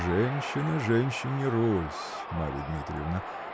-- Женщина женщине розь, Марья Дмитриевна.